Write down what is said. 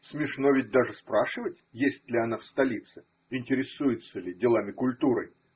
Смешно ведь даже спрашивать, есть ли она в столице, интересуется ли делами культуры.